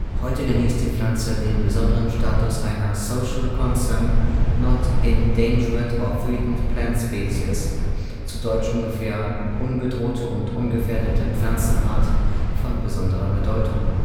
Heute genießt die Pflanze den besonderen Status einer Special Concern Not Endangered or Threatened Plant Species (zu deutsch ungefähr: Unbedrohte und ungefährdete Pflanzenart von besonderer Bedeutung